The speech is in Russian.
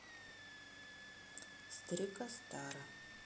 старика старо